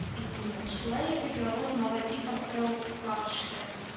Бит инде, шулай итеп ялгыз малай бик аптырау га төшкән